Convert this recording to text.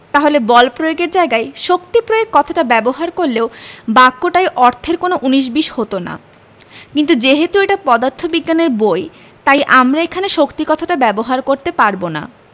তাহলে বল প্রয়োগ এর জায়গায় শক্তি প্রয়োগ কথাটা ব্যবহার করলেও বাক্যটায় অর্থের কোনো উনিশ বিশ হতো না কিন্তু যেহেতু এটা পদার্থবিজ্ঞানের বই তাই আমরা এখানে শক্তি কথাটা ব্যবহার করতে পারব না